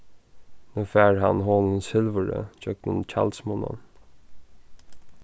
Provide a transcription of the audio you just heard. nú fær hann honum silvurið gjøgnum tjaldsmunnan